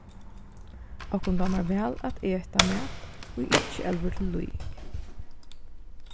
okkum dámar væl at eta mat ið ikki elvir til líðing